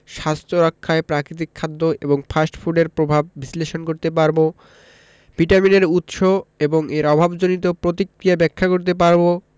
স্বাস্থ্য রক্ষায় প্রাকৃতিক খাদ্য এবং ফাস্ট ফুডের প্রভাব বিশ্লেষণ করতে পারব ভিটামিনের উৎস এবং এর অভাবজনিত প্রতিক্রিয়া ব্যাখ্যা করতে পারব